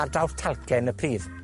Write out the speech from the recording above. ar draws talcen y pridd.